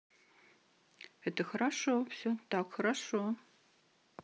это хорошо все так хорошо